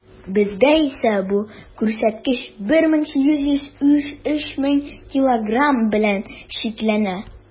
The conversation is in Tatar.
Бездә исә бу күрсәткеч 1800 - 3000 килограмм белән чикләнә.